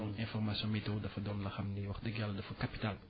donc informatiuon météo dafa doon loo xam ni wax dëgg Yàlla dafa capitale